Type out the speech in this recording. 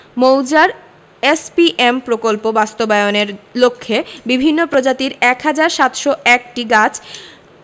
মৌজার এসপিএম প্রকল্প বাস্তবায়নের লক্ষ্যে বিভিন্ন প্রজাতির ১ হাজার ৭০১টি গাছ